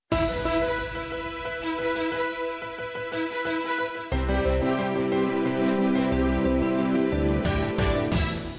music